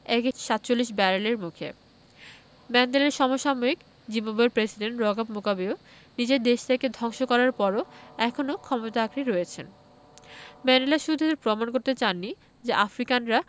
একে ৪৭ ব্যারেলের মুখে ম্যান্ডেলার সমসাময়িক জিম্বাবুয়ের প্রেসিডেন্ট রবার্ট মুগাবে নিজের দেশটাকে ধ্বংস করার পরও এখনো ক্ষমতা আঁকড়ে রয়েছেন ম্যান্ডেলা শুধু এটা প্রমাণ করতে চাননি যে আফ্রিকানরা